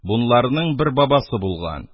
Бунларның бер бабасы булган.